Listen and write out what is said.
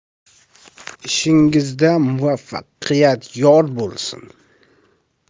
ishingizda muvafaqqiyat yor bo'lsin